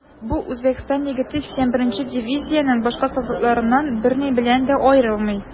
Бу Үзбәкстан егете 81 нче дивизиянең башка солдатларыннан берни белән дә аерылмый.